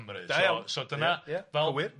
So so dyna Ie ie ia gywir ie.